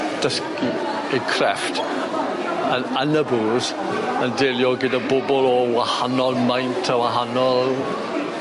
dysgu eu crefft yn yn y booths yn delio gyda bobol o wahanol maint a wahanol